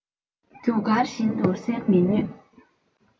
རྒྱུ སྐར བཞིན དུ གསལ མི ནུས